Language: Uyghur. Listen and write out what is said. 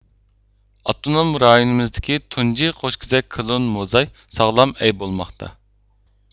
ئاپتونوم رايونىمىزدىكى تۇنجى قوشكېزەك كلون موزاي ساغلام ئەي بولماقتا